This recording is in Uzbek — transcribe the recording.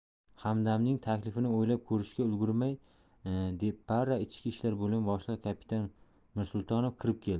hamdamning taklifini o'ylab ko'rishga ulgurmay depara ichki ishlar bo'limi boshlig'i kapitan mirsultonov kirib keldi